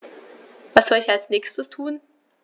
Was soll ich als Nächstes tun?